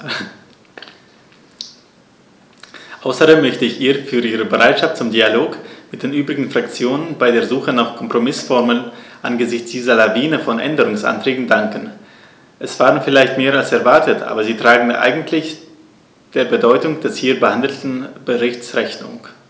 Außerdem möchte ich ihr für ihre Bereitschaft zum Dialog mit den übrigen Fraktionen bei der Suche nach Kompromißformeln angesichts dieser Lawine von Änderungsanträgen danken; es waren vielleicht mehr als erwartet, aber sie tragen eigentlich der Bedeutung des hier behandelten Berichts Rechnung.